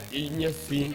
I ɲɛfin